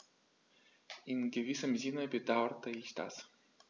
In gewissem Sinne bedauere ich das.